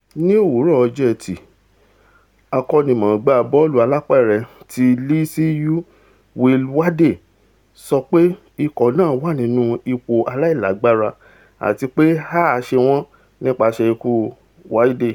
Ní òwúrọ ọjọ́ Ẹtì, akọ́nimọ̀-ọ́n-gbá bọ́ọ̀lù alápẹ̀rẹ̀ ti LSU Will Wade sọ pé ikọ̀ náà wà nínú ''ipò aláìlágbára'' àtipé ''háà ṣe wọ́n'' nípaṣẹ̵̀ ikú Wayde.